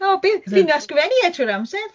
Oh, be? Fi'n ysgrifennu e trwy'r amser.